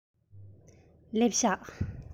སླེབས བཞག